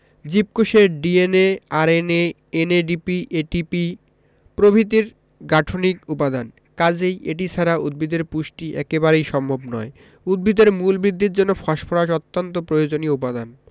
জীবকোষের DNA RNA NADP ATP প্রভৃতির গাঠনিক উপাদান কাজেই এটি ছাড়া উদ্ভিদের পুষ্টি একেবারেই সম্ভব নয় উদ্ভিদের মূল বৃদ্ধির জন্য ফসফরাস অত্যন্ত প্রয়োজনীয় উপাদান